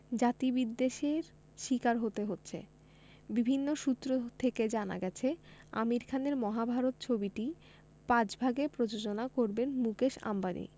জাতিবিদ্বেষের শিকার হতে হচ্ছে বিভিন্ন সূত্র থেকে জানা গেছে আমির খানের মহাভারত ছবিটি পাঁচ ভাগে প্রযোজনা করবেন মুকেশ আম্বানি